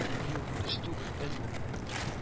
Юк төш түгел өн бу